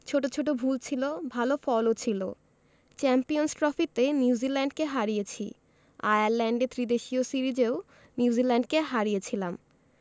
ছোট ছোট ভুল ছিল ভালো ফলও ছিল চ্যাম্পিয়নস ট্রফিতে নিউজিল্যান্ডকে হারিয়েছি আয়ারল্যান্ডে ত্রিদেশীয় সিরিজেও নিউজিল্যান্ডকে হারিয়েছিলাম